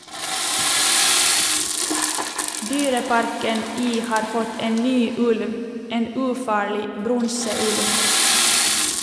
Dyreparken i har fått en ny ulv - en ufarlig bronseulv.